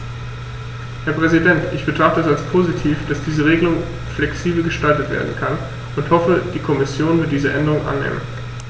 Herr Präsident, ich betrachte es als positiv, dass diese Regelung flexibel gestaltet werden kann und hoffe, die Kommission wird diese Änderung annehmen.